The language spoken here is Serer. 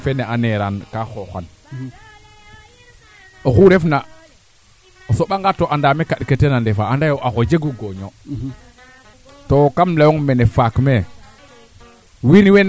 mi de boo jeg ma kaa ando naye waan mo xen ax ku yoqna teen walahi aziim o kentanes oxu ando naye ko bug teen leyaame yikwaam xam yikwong bo jiku kirong njigan naa ando naye